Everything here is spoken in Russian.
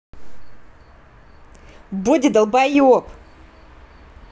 body долбоеб